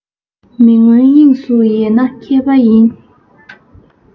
མི མངོན དབྱིངས སུ ཡལ ན མཁས པ ཡིན